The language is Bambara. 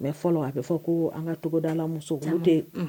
Mais fɔlɔ a be fɔ koo an ŋa togodala musow caman olu tee unh